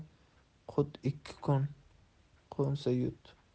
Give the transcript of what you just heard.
kut ikki kun qo'nsa yut